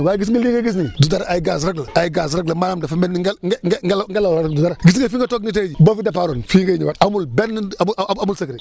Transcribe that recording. waaye gis nga lii ngay gis nii du dara ay gaz rek la ay gaz rek la maanaam dafa mel ni nge nge nge ngelaw la rek du dara gis nga fi nga toog nii tey boo fi départ fii ngay ñëwaat amul benn amul amul secret